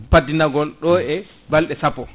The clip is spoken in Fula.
paddina gol ɗo e balɗe sappo